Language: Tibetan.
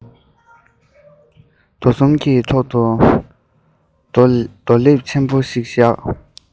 རྡོ གསུམ གྱི ཐོག ཏུ རྡོ ལེབ ཆེན པོ ཞིག བཞག